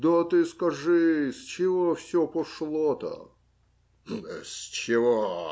- Да ты скажи, с чего все пошло-то? - Да с чего.